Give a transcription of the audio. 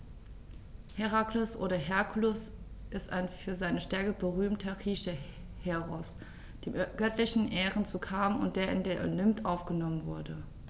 Herakles oder Herkules ist ein für seine Stärke berühmter griechischer Heros, dem göttliche Ehren zukamen und der in den Olymp aufgenommen wurde.